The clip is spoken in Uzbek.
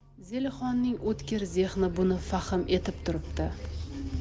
zelixonning o'tkir zehni buni fahm etib turibdi